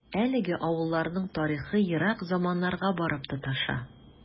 Әлеге авылларның тарихы ерак заманнарга барып тоташа.